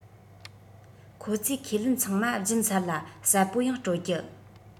ཁོ ཚོས ཁས ལེན ཚང མ སྦྱིན ཚར ལ གསལ པོ ཡང སྤྲོད རྒྱུ